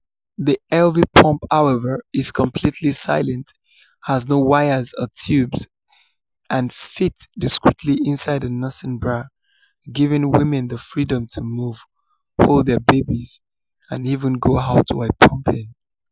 The Elvie Pump however, is completely silent, has no wires or tubes and fits discreetly inside a nursing bra, giving women the freedom to move, hold their babies, and even go out while pumping.